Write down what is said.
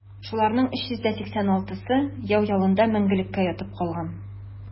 Шуларның 386-сы яу яланында мәңгелеккә ятып калган.